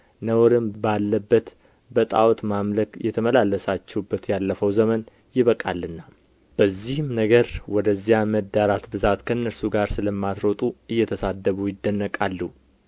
ነውርም ባለበት በጣዖት ማምለክ የተመላለሳችሁበት ያለፈው ዘመን ይበቃልና በዚህም ነገር ወደዚያ መዳራት ብዛት ከእነርሱ ጋር ስለማትሮጡ እየተሳደቡ ይደነቃሉ